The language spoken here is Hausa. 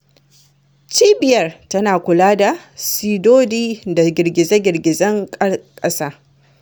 Cibiyar tana kula da cidodi da girgize-girgizen ƙasa.